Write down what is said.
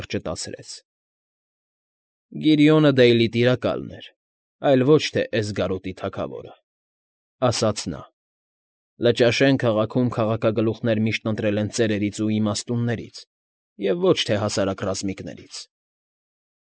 Կրճտացրեց։ ֊ Գիրիոնը Դեյլի տիրակալն էր, այլ ոչ թե Էսգարոտի թագավորը,֊ ասաց նա։֊ Լճաշեն քաղաքում քաղաքգլուխներ միշտ ընտրել են ծերերից ու իմաստուններից և ոչ թե հասարակ ռազմիկներից։